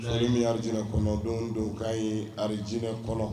Sɔ min arid kɔnɔ don don k'a ye arid kɔnɔ